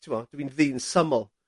t'mo' ddwi'n ddyn syml.